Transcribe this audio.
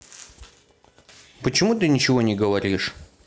почему ты ничего не говоришь